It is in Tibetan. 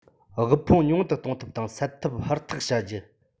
དབུལ ཕོངས ཉུང དུ གཏོང ཐབས དང སེལ ཐབས ཧུར ཐག བྱ རྒྱུ